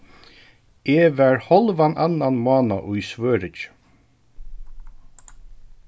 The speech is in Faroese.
eg var hálvan annan mánað í svøríki